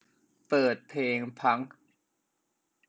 เปิดเพลงพังค์